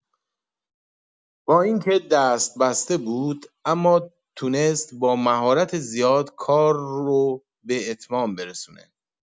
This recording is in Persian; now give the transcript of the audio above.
با اینکه دست‌بسته بود، اما تونست با مهارت زیاد کار رو به اتمام برسونه.